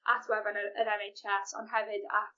at wefan y yr En Aitch Ess ond hefyd at